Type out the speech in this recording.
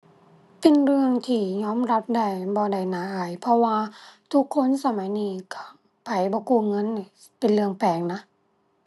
เป็นเรื่องที่ยอมรับได้ บ่ได้น่าอาย เพราะว่าทุกคนสมัยนี้ ไผบ่กู้เงินนี่ เป็นเรื่องแปลกนะ